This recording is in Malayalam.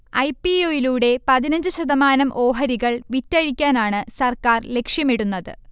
ഐ. പി. ഒ. യിലൂടെ പതിനഞ്ച് ശതമാനം ഓഹരികൾ വിറ്റഴിക്കാനാണ് സർക്കാർ ലക്ഷ്യമിടുന്നത്